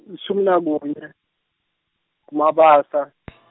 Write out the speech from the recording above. lishumi nakunye, kuMabasa .